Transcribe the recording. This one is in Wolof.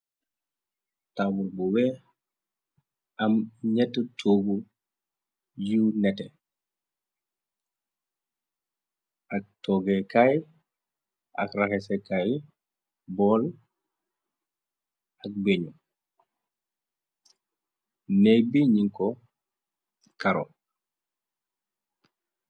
Tawul bu weex am ñett toobu yu nete ak toggekaay ak raxesekaay bool ak béñu neek bi ñi ko karo.